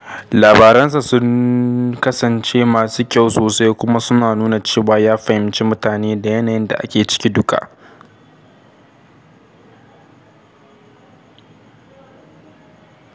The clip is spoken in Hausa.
Labaransa sun kasance masu kyau sosai, kuma suna nuna cewa ya fahimci mutane da yanayin da ake ciki duka.